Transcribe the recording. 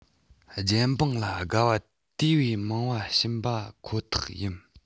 རྒྱལ འབངས ལ དགའ བ དེ བས མང བ བྱིན པ ཁོ ཐག ཡིན